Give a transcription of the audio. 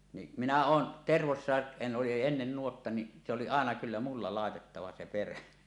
niin minä olen Tervossakin siinä oli oli ennen nuotta niin se oli aina kyllä minulla laitettava se perä